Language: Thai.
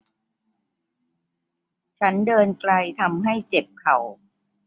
ฉันเดินไกลทำให้เจ็บเข่า